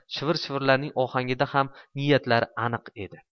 shivir shivirlarining ohangida ham niyatlari aniq edi